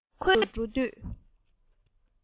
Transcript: ཁོའི ཕྱོགས སུ འགྲོ དུས